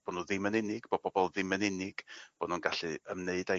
bo' n'w ddim yn unig bo' bobol ddim yn unig. Bo' nw'n gallu ymwneud â'u